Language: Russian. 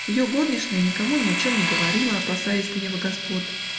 ее горничная никому ни о чем не говорила, опасаясь гнева господ.